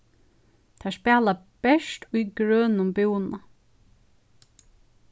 teir spæla bert í grønum búna